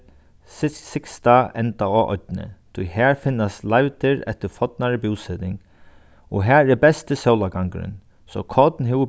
syðsta enda á oynni tí har finnast leivdir eftir fornari búseting og har er besti sólargangurin so korn hevur